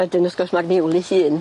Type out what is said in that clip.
Wedyn wrth gwrs ma'r niwl 'i hun.